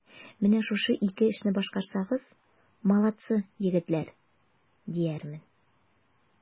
Менә шушы ике эшне башкарсагыз, молодцы, егетләр, диярмен.